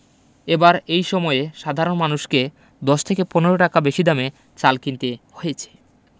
এবার একই সময়ে সাধারণ মানুষকে ১০ থেকে ১৫ টাকা বেশি দামে চাল কিনতে হয়েছে